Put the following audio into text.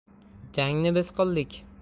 jangni biz qildik